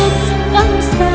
ngập